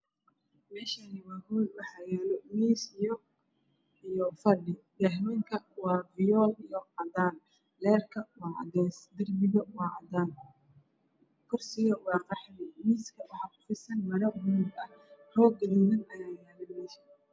Meeshaan waa hool waxaa yaalo miis iyo fadhi daahmanka waa fiyool iyo cadaan. Leyrka waa cadeys darbigana waa cadaan, kursiga waa qaxwi. Roog gaduudan ayaa ayaalo meesha.